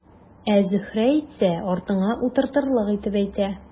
Ә Зөһрә әйтсә, артыңа утыртырлык итеп әйтә.